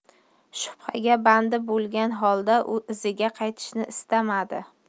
shubhaga bandi bo'lgan holda iziga qaytishni istamadi